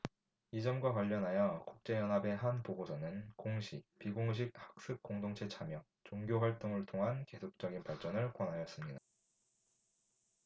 이 점과 관련하여 국제 연합의 한 보고서는 공식 비공식 학습 공동체 참여 종교 활동을 통한 계속적인 발전을 권하였습니다